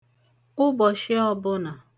ụbọ̀shị ọbụnà